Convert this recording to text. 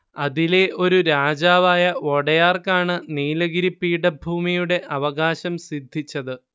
അതിലെ ഒരു രാജാവായ വോഡെയാർക്കാണ് നീലഗിരി പീഠഭൂമിയുടെ അവകാശം സിദ്ധിച്ചത്